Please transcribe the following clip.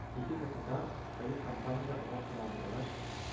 Ике капитан, кают-компаниядә озак кына утыргач,